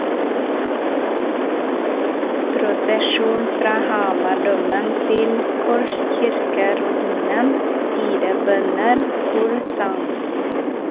Prosesjon fra Hamardomen til korskirkeruinen, tidebønner, korsang.